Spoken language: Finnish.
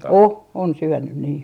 on on syönyt niin